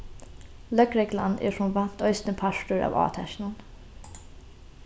løgreglan er sum vant eisini partur av átakinum